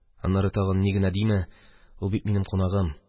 Аннары тагын, ни генә димә, ул бит минем кунагым.